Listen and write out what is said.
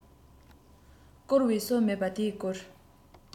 བསྐོ བའི སྲོལ མེད པས དེའི སྐོར